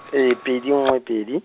pedi nngwe pedi.